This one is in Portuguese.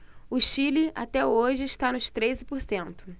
o chile até hoje está nos treze por cento